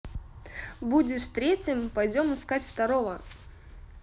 будешь третьим пойдем искать второго